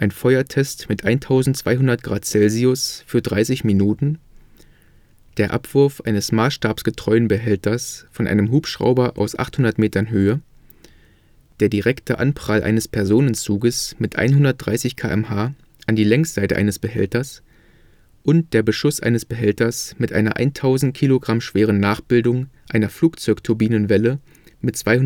Feuertest mit 1200 °C für 30 min, Abwurf eines maßstabsgetreuen Behälters von einem Hubschrauber aus 800 m Höhe, direkter Anprall eines Personenzuges mit 130 km/h an die Längsseite eines Behälters, Beschuss eines Behälters mit einer 1000 kg schweren Nachbildung einer Flugzeugturbinenwelle mit 292